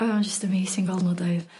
O'dd o'n jyst amazing fel n'w deud.